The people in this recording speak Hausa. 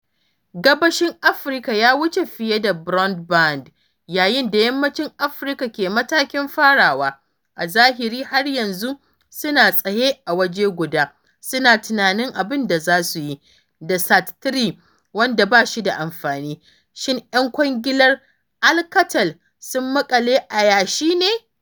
Gabashin Afirka ya wuce fiye da broadband… yayin da Yammacin Afirka ke matakin farawa, (a zahiri, har yanzu suna tsaye a waje guda suna tunanin abin da za su yi), da SAT3 wanda bashi da amfani, (shin 'yan kwangilar Alcatel sun maƙale a yashi ne?